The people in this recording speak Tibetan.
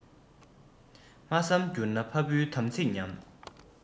མ བསམས གྱུར ན ཕ བུའི དམ ཚིགས ཉམས